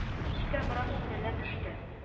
Кичкә бераз сүрелә төште